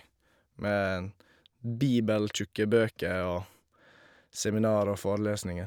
Med bibeltjukke bøker og seminar og forelesninger.